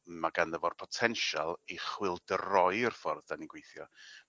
Ma' ganddo fo'r botensial i chwildroi'r ffordd 'dan ni'n gweithio.